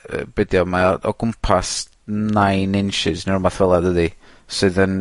yy be' 'di o mae o o gwmpas nine inches ne' rwbath fela dydi? Sydd yn...